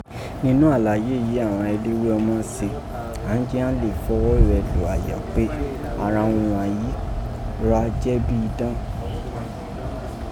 Ninọ́ alaye yìí àghan elewe ọma yi se án ji án le fọwọ rẹ lù àyà pe àghan urun ghan yìí ra jẹ bi idan.